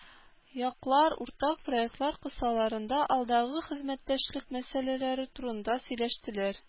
Яклар уртак проектлар кысаларында алдагы хезмәттәшлек мәсьәләләре турында сөйләштеләр.